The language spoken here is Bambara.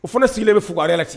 O fana sigilen bɛ fug a ten